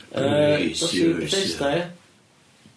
Yy dos i Bethesda ia?